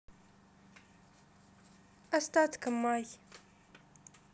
остатка май